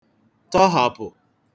tọhàpụ̀